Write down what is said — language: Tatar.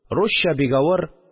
Русча бик авыр